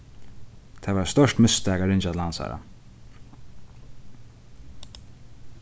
tað var eitt stórt mistak at ringja til hansara